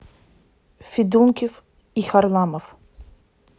федункив и харламов